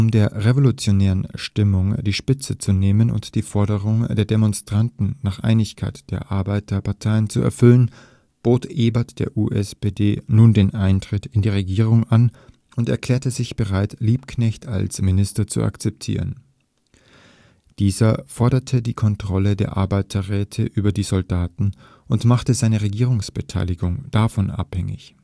der revolutionären Stimmung die Spitze zu nehmen und die Forderung der Demonstranten nach Einigkeit der Arbeiterparteien zu erfüllen, bot Ebert der USPD nun den Eintritt in die Regierung an und erklärte sich bereit, Liebknecht als Minister zu akzeptieren. Dieser forderte die Kontrolle der Arbeiterräte über die Soldaten und machte seine Regierungsbeteiligung davon abhängig